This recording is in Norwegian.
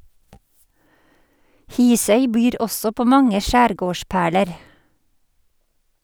Hisøy byr også på mange skjærgårdsperler.